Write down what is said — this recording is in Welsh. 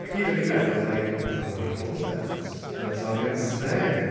A gyd o'n i'n meddwl was like "oh is that what he calls it? An Italian snake?"